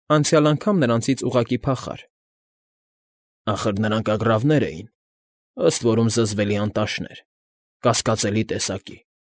Անցյալ անգամ նրանցից ուղղակի փախար։ ֊ Ախր նրանք ագռավներ էին… ըստ որում զզվելի անտաշներ, կասկածելի տեսակի։